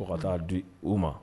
Fɔ ka taa di u ma